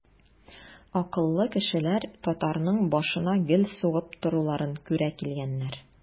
Акыллы кешеләр татарның башына гел сугып торуларын күрә килгәннәр.